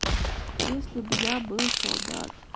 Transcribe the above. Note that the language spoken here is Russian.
если б я был солдат